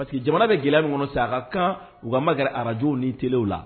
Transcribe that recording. Parce que jamana bɛ gɛlɛya min kɔnɔ saraka ka kan u makari arajo ni t la